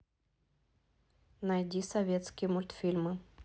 найди советские мультфильмы